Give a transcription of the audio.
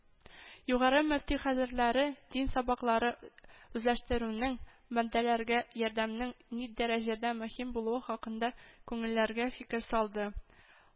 Югары мөфти хәзерләре дин сабаклары үзләштерүнең, бәндәләргә ярдәмнең ни дәрәҗәдә мөһим булуы хакында күңелләргә фикер салды